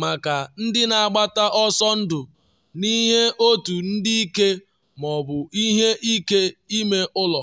maka ndị na-agbata ọsọ ndụ n’ihi otu ndị ike ma ọ bụ ihe ike ime ụlọ.